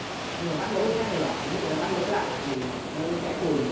nhưng mà bắt lỗi người khác thì giỏi nhưng lúc người ta bắt lỗi lại thì nó cãi cùn